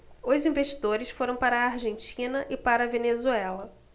os investidores foram para a argentina e para a venezuela